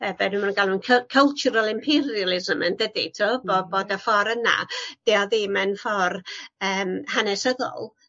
e be' 'dyn nw'n galw'n cul- cultural imperialism yndydi? T'wo' bo' bod y ffor yna 'di o ddim yn ffor yym hanesyddol